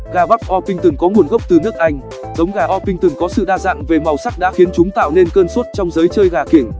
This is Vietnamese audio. gà buff orpington có nguồn gốc từ nước anh giống gà orpington có sự đa dạng về màu sắc đã khiến chúng tạo nên cơn sốt trong giới chơi gà kiểng